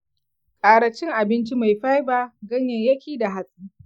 ƙara cin abinci mai fiber, ganyayyaki da hatsi.